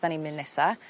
...'dan ni'n myn' nesa